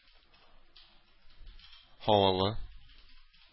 Һавалы